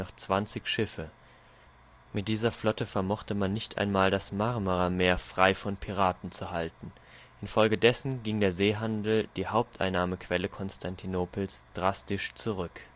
20 Schiffe. Mit dieser Flotte vermochte man nicht einmal das Marmarameer frei von Piraten zu halten. In Folge dessen ging der Seehandel, die Haupteinnahmequelle Konstantinopels, drastisch zurück